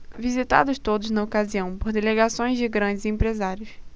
visitados todos na ocasião por delegações de grandes empresários